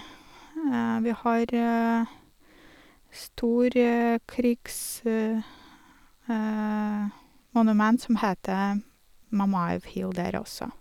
Vi har stor krigsmonument som heter Mamajev Hill der også.